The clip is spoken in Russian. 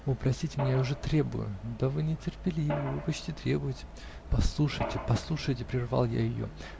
-- О, простит меня, я уже требую. -- Да, вы нетерпеливы. вы почти требуете. -- Послушайте, послушайте! -- прервал я ее.